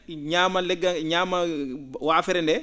?i ñaamat le?gal ?i ñaama waafere ndee